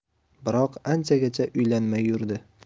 biroq anchagacha uylanmay yurdi